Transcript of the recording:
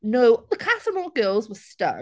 No, the Casa Amor girls were stun.